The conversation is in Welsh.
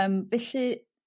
Ymm felly